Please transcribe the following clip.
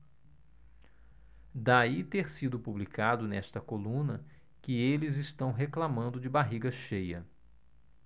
daí ter sido publicado nesta coluna que eles reclamando de barriga cheia